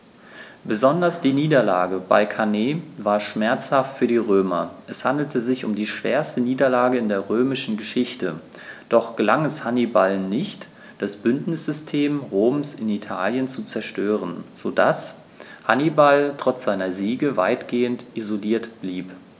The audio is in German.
Besonders die Niederlage bei Cannae war schmerzhaft für die Römer: Es handelte sich um die schwerste Niederlage in der römischen Geschichte, doch gelang es Hannibal nicht, das Bündnissystem Roms in Italien zu zerstören, sodass Hannibal trotz seiner Siege weitgehend isoliert blieb.